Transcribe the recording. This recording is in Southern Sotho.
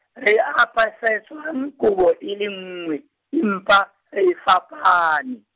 re apesitswang kobo e le nngwe, empa re fapane.